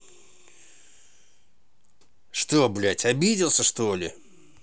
что блядь обиделся что ли